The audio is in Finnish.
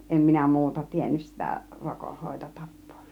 en minä muuta tiennyt sitä - rokonhoitotapaa